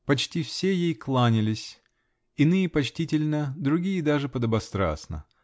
почти все ей кланялись -- иные почтительно, другие даже подобострастно.